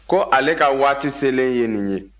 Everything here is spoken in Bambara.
ko ale ka waati selen ye nin ye